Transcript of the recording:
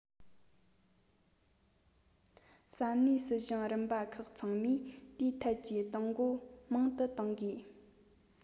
ས གནས སྲིད གཞུང རིམ པ ཁག ཚང མས དེའི ཐད ཀྱི གཏོང སྒོ མང དུ གཏོང དགོས